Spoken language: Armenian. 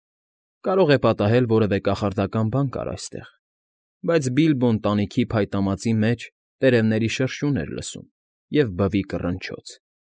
Կարող է պատահել որևէ կախարդական բան կար այստեղ, բայց Բիլբոն տանիքի փայտամածի մեջ տերևների շրշյուն էր լսում ու բվի կռնչոց։